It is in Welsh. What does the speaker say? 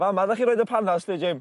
Fa' ma' dach chi'n roid y panas 'lly Jim?